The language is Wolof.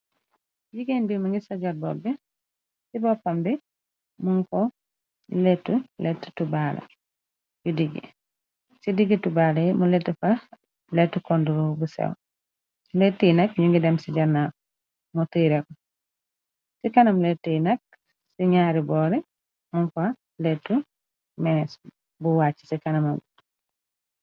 Jigéen bimu ngi sa jor bopp ci boppam bi mun ko letu letttubbaala yu digge ci diggi tubbaala mu lett fa lettu konduro bu sew letti nakk ñu ngi dem ci janna mu tuy reku ci kanam letti nakk ci ñaari boore mun ko lettu mees bu wàcc ci kanama bi.